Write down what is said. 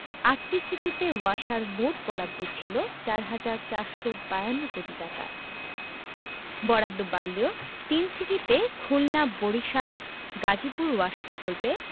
আটটি সিটিতে ওয়াসার মোট বরাদ্দ ছিল ৪ হাজার ৪৫২ কোটি টাকা বরাদ্দ বাড়লেও তিন সিটিতে খুলনা বরিশাল গাজীপুর ওয়াশ প্রকল্পে